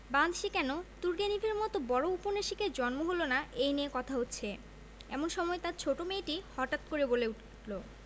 বাংলাদেশে কেন তুর্গেনিভের মত বড় উপন্যাসিকের জন্ম হল না এই নিয়ে কথা হচ্ছে এমন সময় তাঁর ছোট মেয়েটি হঠাৎ করে বলে উঠল